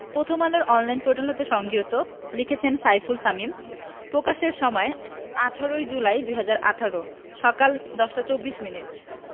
প্রথম আলোর online portal হতে সংগৃহীত লিখেছেন সাইফুল সামিন প্রকাশের সময় ১৮ জুলাই ২০১৮ সকাল ১০টা ২৪ মিনিট